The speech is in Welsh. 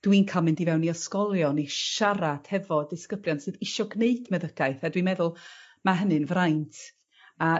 dwi'n ca'l mynd i fewn i ysgolion i siarad hefo disgyblion sydd isio gneud meddygaeth a dwi meddwl ma' hynny'n fraint a